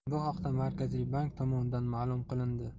bu haqda markaziy bank tomonidan ma'lum qilindi